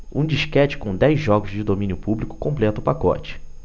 um disquete com dez jogos de domínio público completa o pacote